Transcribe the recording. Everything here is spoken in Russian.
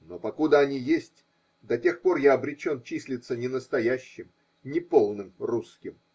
но покуда они есть, до тех пор я обречен числиться не настоящим, неполным русским.